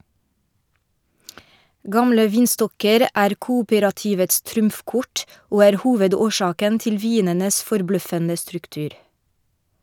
Gamle vinstokker er kooperativets trumfkort, og er hovedårsaken til vinenes forbløffende struktur.